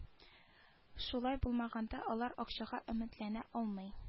Шулай булмаганда алар акчага өметләнә алмый